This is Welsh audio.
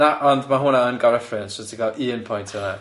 Na ond ma' hwnna yn ga'l reference so ti'n ca'l un point yna.